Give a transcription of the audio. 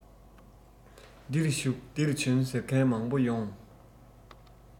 འདིར བཞུགས འདིར བྱོན ཟེར མཁན མང པོ ཡོང